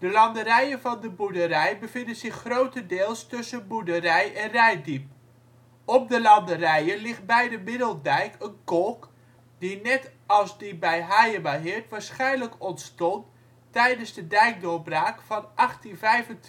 landerijen van de boerderij bevinden zich grotendeels tussen boerderij en Reitdiep. Op de landerijen ligt bij de Middeldijk een kolk, die net als die bij Hayemaheerd waarschijnlijk ontstond tijdens de dijkdoorbraak van 1825. Ten